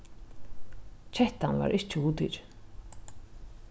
kettan var ikki hugtikin